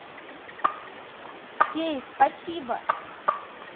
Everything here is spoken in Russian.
феи спасибо